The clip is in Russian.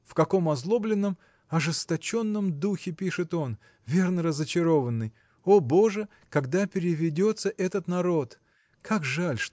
В каком озлобленном, ожесточенном духе пишет он! Верно, разочарованный. О, боже! когда переведется этот народ? Как жаль